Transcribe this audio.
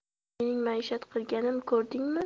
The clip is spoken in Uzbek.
mening maishat qilganimni ko'rdingmi